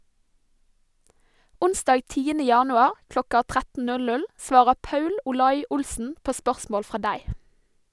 Onsdag 10. januar klokka 13.00 svarer Paul Olai Olssen på spørsmål fra deg.